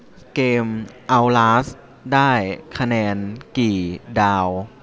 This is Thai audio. เกมเอ้าลาสได้คะแนนกี่ดาว